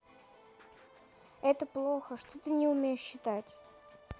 это плохо что ты не умеешь считать